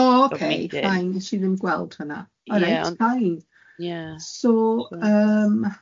O ok fine wnes i ddim gweld hwnna. O reit fine. Ie. So yym.